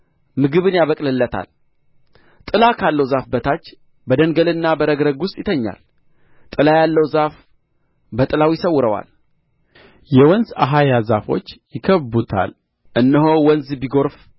ምግብን ያበቅልለታል ጥላ ካለው ዛፍ በታች በደንገልና በረግረግ ውስጥ ይተኛል ጥላ ያለው ዛፍ በጥላው ይሰውረዋል የወንዝ አኻያ ዛፎች ይከብቡታል እነሆ ወንዙ ቢጐርፍ